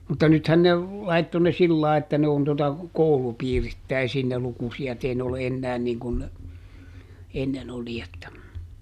mutta nythän ne laittoi ne sillä lailla että ne on tuota koulupiirittäisiin ne lukusijat ei ne ole enää niin kuin ne ennen oli että